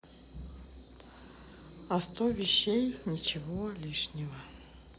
а сто вещей ничего лишнего